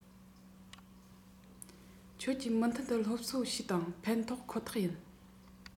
ཁྱོད ཀྱིས མུ མཐུད དུ སློབ གསོ བྱོས དང ཕན ཐོགས ཁོ ཐག ཡིན